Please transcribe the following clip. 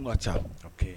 Ka ca